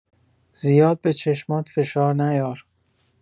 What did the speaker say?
زیاد به چشمات فشار نیار.